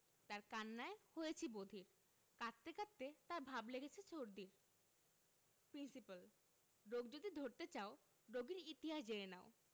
তার কান্নায় হয়েছি বধির কাঁদতে কাঁদতে তার ভাব লেগেছে সর্দির প্রিন্সিপাল রোগ যদি ধরতে চাও রোগীর ইতিহাস জেনে নাও